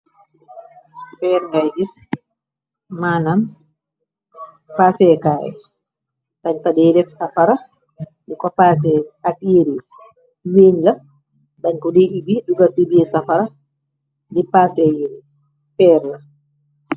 Feer ngay gis maanam paaseekaay dañfa dey def sa fara di ko paas ak yéri wiiñ la dañku di ibi duga ci b sa fara di paase yerre feer la.